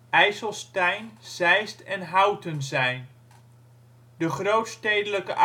IJsselstein, Zeist en Houten zijn. De grootstedelijke